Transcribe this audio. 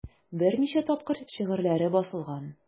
Берничә тапкыр шигырьләре басылган.